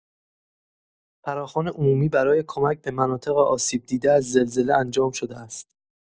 فراخوانی عمومی برای کمک به مناطق آسیب‌دیده از زلزله انجام شده است.